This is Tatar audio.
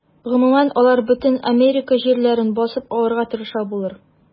Гомумән, алар бөтен Америка җирләрен басып алырга тырыша булыр.